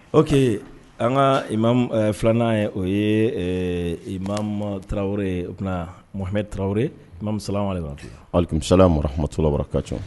Oke an ka filanan ye o ye ma taraweleo ye o tɛnahame tarawelemisala halimisala muhamatɔla kac